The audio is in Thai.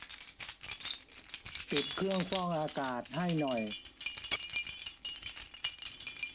ปิดเครื่องฟอกอากาศให้หน่อย